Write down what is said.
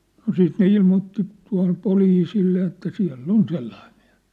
no siitä ne ilmoitti tuohon poliisille ja että siellä on sellainen mies